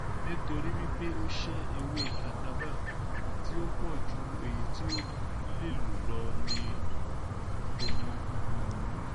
Nítorí wípé ó ṣẹ́ ewé kátabá tí ó pọ̀ ju èyí tí ó lè lò lọ ni kò fi mọ ọ̀nà mọ́n.